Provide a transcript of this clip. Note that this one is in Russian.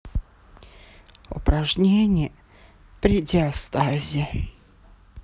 упражнения при диастазе